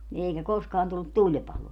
niin eikä koskaan tullut tulipaloa